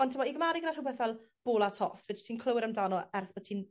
On' t'mo i gymharu gyda rhwbeth fel bola tost rydyt ti'n clywed amdano ers bo' ti'n